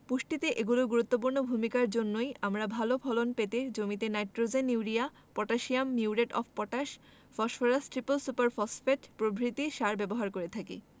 পুষ্টিতে এগুলোর গুরুত্বপূর্ণ ভূমিকার জন্যই আমরা ভালো ফলন পেতে জমিতে nitrogen urea potassium muriate of potash phosphorus triple super phosphate প্রভৃতি সার ব্যবহার করে থাকি